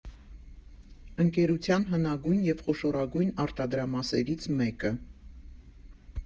Ընկերության հնագույն և խոշորագույն արտադրամասերից մեկը։